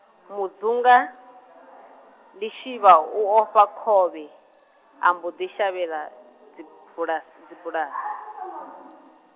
Mudzunga, Lishivha u ofha khovhe, a mbo ḓi shavhela, dzibulas- dzibulasi.